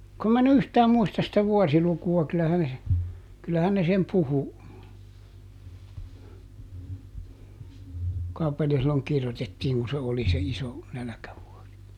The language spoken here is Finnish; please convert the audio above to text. kun minä en yhtään muista sitä vuosilukua kyllähän se kyllähän ne sen puhui kuinkahan paljon silloin kirjoitettiin kun se oli se iso nälkävuosi